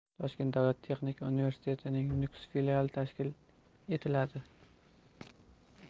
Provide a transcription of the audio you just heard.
toshkent davlat texnika universitetining nukus filiali tashkil etiladi